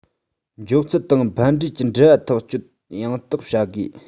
མགྱོགས ཚད དང ཕན འབྲས ཀྱི འབྲེལ བ ཐག གཅོད ཡང དག བྱ དགོས